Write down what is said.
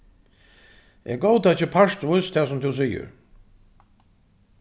eg góðtaki partvíst tað sum tú sigur